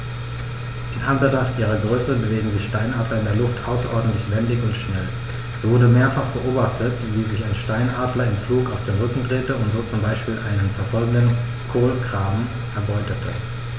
In Anbetracht ihrer Größe bewegen sich Steinadler in der Luft außerordentlich wendig und schnell, so wurde mehrfach beobachtet, wie sich ein Steinadler im Flug auf den Rücken drehte und so zum Beispiel einen verfolgenden Kolkraben erbeutete.